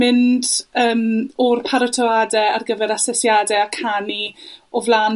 mynd yym, o'r paratoade ar gyfer asesiade a canu o flan...